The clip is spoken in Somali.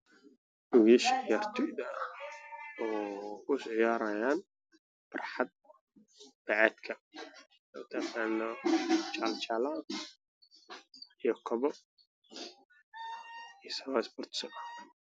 Waa wiilal waxay dheelaayo banoon ciyaarayaan xiranayaan kabo